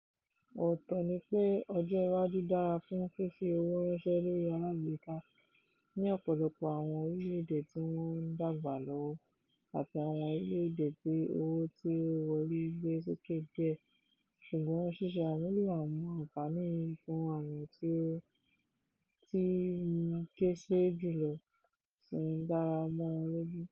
Òótọ́ ni pé ọjọ́ iwájú dára fún fífi owó ránṣẹ́ lórí alágbèéká ní ọ̀pọ̀lọpọ̀ àwọn orílẹ̀ èdè tí wọ́n ń dàgbà lọ́wọ́ àti àwọn orílẹ̀ èdè tí owó tí ó wọlé gbé sókè díẹ̀ ṣùgbọ́n ṣíṣe àmúlò àwọn àǹfààní yìí fún àwọn tí wọ́n kúṣẹ̀ẹ́ jùlọ sì ń dàrú mọ́ wọn lójú.